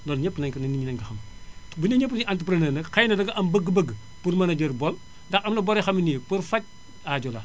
loolu ñëpp nañu ko mën nañu ko xam buñu nee ñëpp duénu entrepreneur nag xëy na nga am bëgg-bëgg pour mën a jël bor ndax am na bor yoo xam ne nii pour faj aajo la